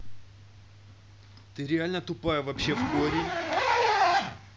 ты реально тупая вообще в корень